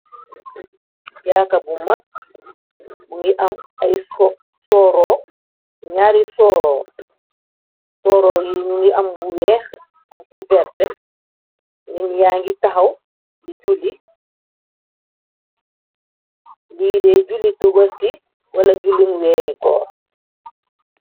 jaaka bu mag mu ngi am ay sooroo ñaari soro sooro yi ñu ngi am bu weex ak bu vert nin yaa ngi taxaw liidée juli tobaski wala julin weeri coor